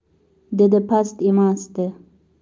didi past emasdi